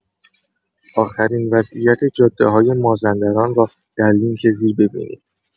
آخرین وضعیت جاده‌های مازندران را در لینک زیر ببینید.